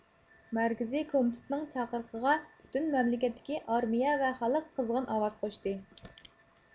مەركىزىي كومىتېتنىڭ چاقىرىقىغا پۈتۈن مەملىكەتتىكى ئارمىيە ۋە خەلق قىزغىن ئاۋاز قوشتى